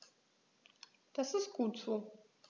Das ist gut so.